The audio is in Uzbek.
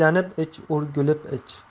aylanib ich o'rgulib ich